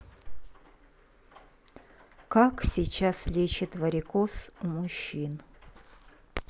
как сейчас лечат варикоз у мужчин